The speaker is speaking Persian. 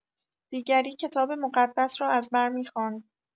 دیگری کتاب مقدس را از بر می‌خواند.